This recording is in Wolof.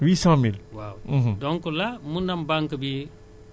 ñun daañu delloo banque bi quatre vingt pour cent ci ci million